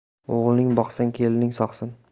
o'g'ling boqsin kelining sog'sin